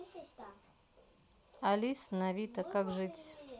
алиса новита как жить